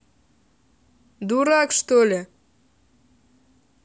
дурак что ли